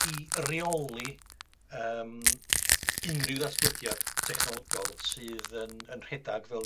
i reoli yym unryw ddatblygiad technolegol sydd yn yn rhedag fel